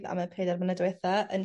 ...am y peder mlynedd dwetha yn...